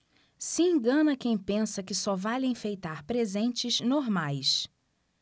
se engana quem pensa que só vale enfeitar presentes normais